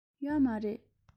ཡོད མ རེད